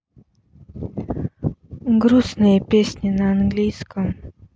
грустные песни на английском